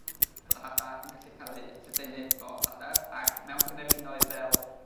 bod y hada' yn gallu ca'l eu llydaenu 'fo adar ac mewn cynefinoedd fel